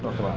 tooke waaw